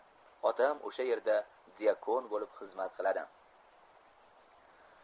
otam o'sha yerda dyakon bo'lib xizmat qiladi